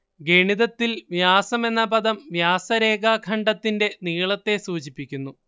ഗണിതത്തിൽ വ്യാസം എന്ന പദം വ്യാസരേഖാഖണ്ഡത്തിന്റെ നീളത്തെ സൂചിപ്പിക്കുന്നു